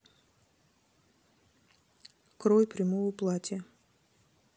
крой прямого платья